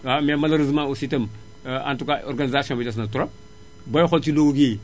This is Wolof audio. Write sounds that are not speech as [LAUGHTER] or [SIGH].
waaw mais malheureusement aussi itam [HESITATION] en tout cas organisation bi des na trop booy xool ci Louga gii